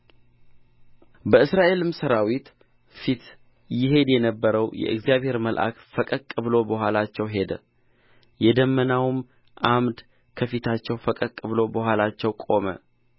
በእስራኤልም ሠራዊት ፊት ይሄድ የነበረው የእግዚአብሔር መልአክ ፈቀቅ ብሎ በኋላቸው ሄደ የደመናውም ዓምድ ከፊታቸው ፈቀቅ ብሎ በኋላቸው ቆመ